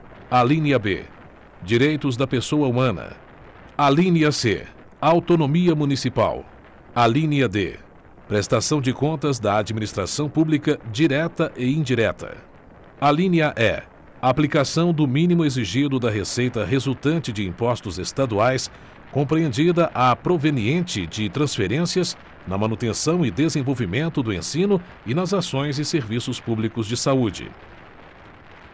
alínea b direitos da pessoa humana alínea c autonomia municipal alínea d prestação de contas da administração pública direta e indireta alínea e aplicação do mínimo exigido da receita resultante de impostos estaduais compreendida a proveniente de transferências na manutenção e desenvolvimento do ensino e nas ações e serviços públicos de saúde